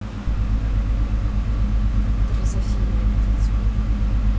дрозофильный быть